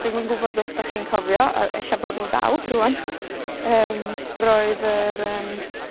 Dwi'm yn gwbod os 'dach chi'n cofio, yy ella bod nw'n dal rŵan, yym, roedd yr yym